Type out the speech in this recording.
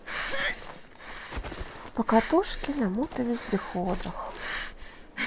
покатушки на мотовездеходах